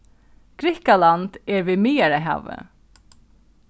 grikkaland er við miðjarðarhavið